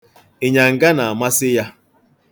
Ịnyanga na-amasị ya.